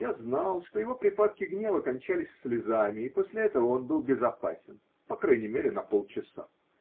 Я знал, что его припадки гнева кончались слезами и после этого он был безопасен, по крайней мере, на полчаса.